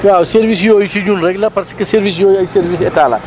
waaw service yooyu si ñun rek la parce que services yooyu ay services yu état la